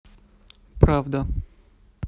правда